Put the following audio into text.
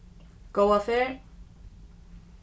góða ferð